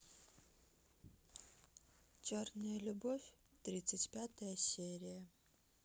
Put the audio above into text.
черная любовь тридцать пятая серия